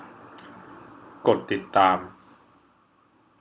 กดติดตาม